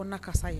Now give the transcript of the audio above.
O na kasa ye